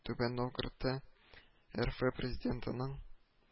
Түбән Новгородта РФ Президентының